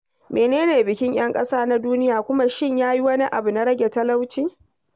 Mene ne Bikin 'Yan Ƙasa na Duniya kuma Shin Ya Yi Wani Abu na Rage Talauci?